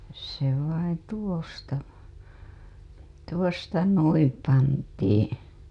se vain tuosta tuosta noin pantiin